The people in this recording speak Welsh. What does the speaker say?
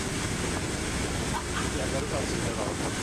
By' ti angan rwbath swn i'n meddwl.